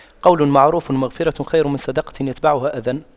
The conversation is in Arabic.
قَولٌ مَّعرُوفٌ وَمَغفِرَةُ خَيرٌ مِّن صَدَقَةٍ يَتبَعُهَا أَذًى